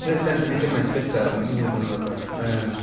D- dan ni 'di wneud gymaint o bethau mwy blwyddyn yma do? Yym.